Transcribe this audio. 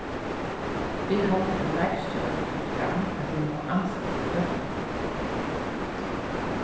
eg haldi at leikstjórin fekk fram at vit mugu ansa eftir børnunum